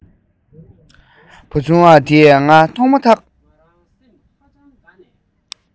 བུ ཆུང བ དེས ང རང མཐོང མ ཐག